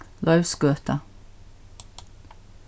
leivsgøta